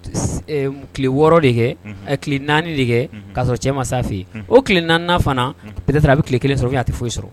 Tile 6 de kɛ, unhun, tile 4 de kɛ k'a sɔrɔ cɛ ma s'a fɛ yen, unhun, o tile 4nan fana peut être a bɛ tile 1 sɔrɔ ou bien a tɛ foyi sɔrɔ